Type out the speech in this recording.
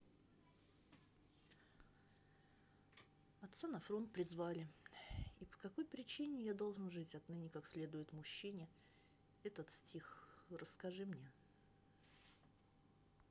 отца на фронт призвали и по какой причине я должен жить отныне как следует мужчине этот стих расскажи мне